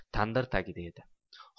tandir tagida edi